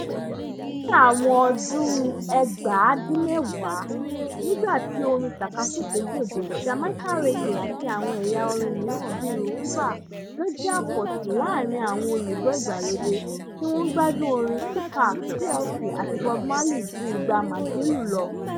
Ní àwọn ọdún 1990, nígbà tí orin tàka-súfé gbòde, Jamaican Raggae, àti àwọn ẹ̀yà orin míràn bi Rhumba ló jẹ́ àkòtì láàárín àwọn olùgbọ́ ìgbàlódé tí wọn ń gbádùn orin Tupac, TLC, àti Bob Marley ju ìgbà Madilu lọ.